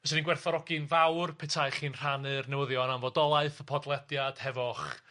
Fyswn i'n gwerthfawrogi'n fawr petai chi'n rhannu'r newyddion am fodolaeth y podlediad hefo'ch